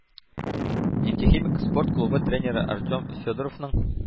«нефтехимик» спорт клубы тренеры артем федоровның